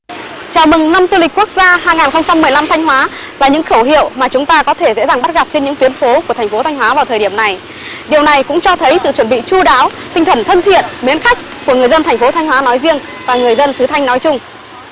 chào mừng năm du lịch quốc gia hai ngàn không trăm mười lăm thanh hóa và những khẩu hiệu mà chúng ta có thể dễ dàng bắt gặp trên những tuyến phố của thành phố thanh hóa vào thời điểm này điều này cũng cho thấy từ chuẩn bị chu đáo tinh thần thân thiện mến khách của người dân thành phố thanh hóa nói riêng và người dân xứ thanh nói chung